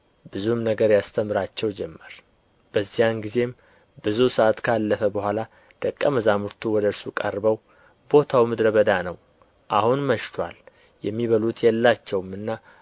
ብዙም ነገር ያስተምራቸው ጀመር በዚያን ጊዜም ብዙ ሰዓት ካለፈ በኋላ ደቀ መዛሙርቱ ወደ እርሱ ቀርበው ቦታው ምድረ በዳ ነው አሁንም መሽቶአል የሚበሉት የላቸውምና